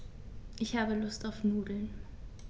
Ich habe Lust auf Nudeln.